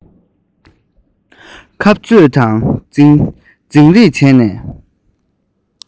ཁ རྩོད དང འཛིང རེས བྱེད ནས